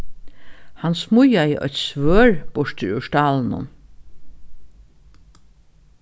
hann smíðaði eitt svørð burtur úr stálinum